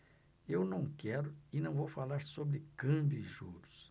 eu não quero e não vou falar sobre câmbio e juros